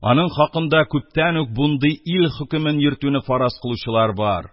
Аның хакында күптән үк бундый «ил хөкемен» йөртүне фараз кылучылар бар